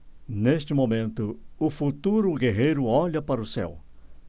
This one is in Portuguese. neste momento o futuro guerreiro olha para o céu